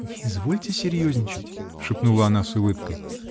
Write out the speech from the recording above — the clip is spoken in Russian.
-- Не извольте серьезничать, -- шепнула она с улыбкой.